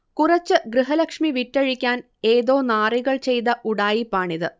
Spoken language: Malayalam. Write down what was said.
കുറച്ച് ഗൃഹലക്ഷ്മി വിറ്റഴിക്കാൻ ഏതോ നാറികൾ ചെയ്ത ഉഡായിപ്പാണിത്